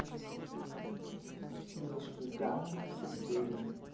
мишки гамми все серии